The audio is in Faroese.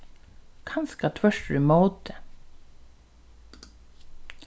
kanska tvørturímóti